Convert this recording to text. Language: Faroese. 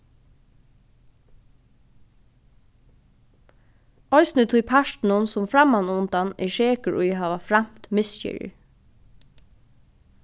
eisini tí partinum sum frammanundan er sekur í at hava framt misgerðir